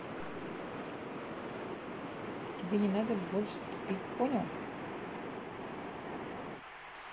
тебе не надо больше тупить понял